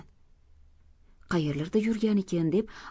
qayerlarda yurganikin deb